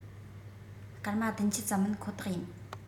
སྐར མ ༧༠ ཙམ མིན ཁོ ཐག ཡིན